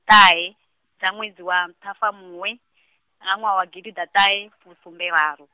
ṱahe, dza ṅwedzi wa Ṱhafamuhwe, nga ṅwaha wa gidiḓaṱahefusumberaru.